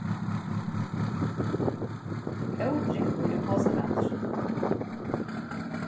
ódrúgvur er posamatur